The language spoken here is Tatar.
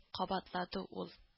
Кабатлады ул